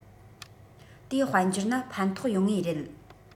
དེའི དཔལ འབྱོར ན ཕན ཐོགས ཡོང ངེས རེད